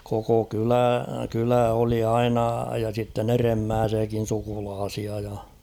koko kylä kylä oli aina ja sitten edemmäisiäkin sukulaisia ja